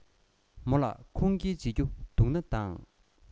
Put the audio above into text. མོ ལ ཁུངས སྐྱེལ བྱེད རྒྱུ འདུག ན དང